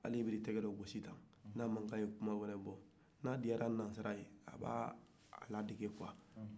hali n'i y'i tɛ gosi ɲɔgɔn na tan f'a mankan bɛ bɔ n'a diyara nansaraw ye u b'a ladege